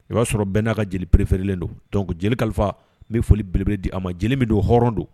I b'a sɔrɔ bɛn' ka jeli perefeerelen don jeli kalifa n bɛ foli belebere di a ma jeli bɛ don hɔrɔn don